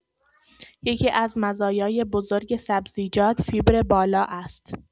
یکی‌از مزایای بزرگ سبزیجات، فیبر بالا است.